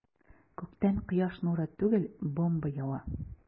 Күктән кояш нуры түгел, бомба ява.